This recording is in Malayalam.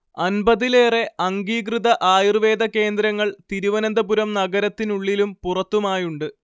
അൻപതിലേറെ അംഗീകൃത ആയുർവേദ കേന്ദ്രങ്ങൾ തിരുവനന്തപുരം നഗരത്തിനുള്ളിലും പുറത്തുമായുണ്ട്